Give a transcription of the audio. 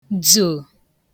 dzò